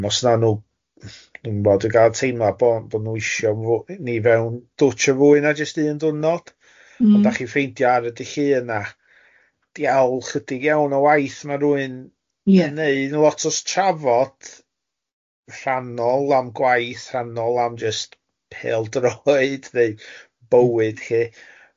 Yym os na nw dwi'n gwybod dwi'n gael teimlad bo' bo' nhw isio ni fewn dwtsh fwy na jyst un dwrnod m-hm. ond dach chi'n ffeindio ar y Dy Llun a diawl ychydig iawn o waith ma' rywun Ie. yn wneud lot o trafod, rhannol am gwaith, rhannol am jyst pêl-droed neu bywyd lly.